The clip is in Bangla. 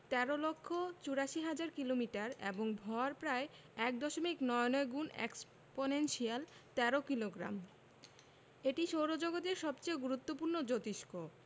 ১৩ লক্ষ ৮৪ হাজার কিলোমিটার এবং ভর প্রায় এক দশমিক নয় নয় এক্সপনেনশিয়াল ১৩ কিলোগ্রাম এটি সৌরজগতের সবচেয়ে গুরুত্বপূর্ণ জোতিষ্ক